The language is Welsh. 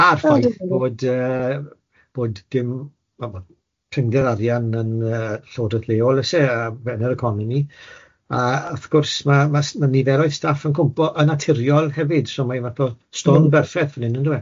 A'r ffaith bod yy bod dim wel bod prinder arian yn yy llywdreth leol oes e a fewn yr economi, a wrth gwrs ma- ma' s- ma' niferoedd staff yn cwmpo yn naturiol hefyd so mae fath o storm berffeth fan hyn yndywe?